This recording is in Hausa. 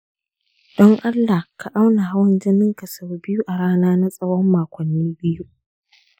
don allah ka auna hawan jininka sau biyu a rana na tsawon makonni biyu.